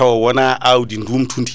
tawa wonna awdi ndugtudi